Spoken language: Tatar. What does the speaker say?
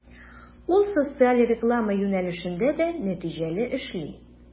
Ул социаль реклама юнәлешендә дә нәтиҗәле эшли.